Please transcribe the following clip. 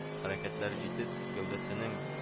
Хәрәкәтләре җитез, гәүдәсенең